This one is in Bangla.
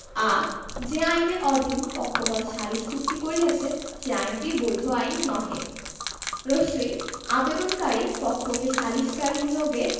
আ যে আইনের অধীন পক্ষগণ সালিস চুক্তি করিয়াছে সেই আইনটি বৈধ আইন নহে ই আবেদনকারী পক্ষকে সালিসকারী নিয়োগে